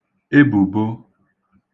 ebùbo